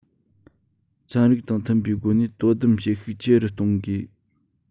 ཚན རིག དང མཐུན པའི སྒོ ནས དོ དམ བྱེད ཤུགས ཆེ རུ གཏོང དགོས